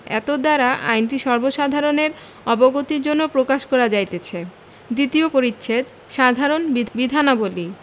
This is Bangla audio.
এতদ্বারা আইনটি সর্বসাধারণের অবগতির জন্য প্রকাশ করা যাইতেছে দ্বিতীয় পরিচ্ছেদ সাধারণ বিধানাবলী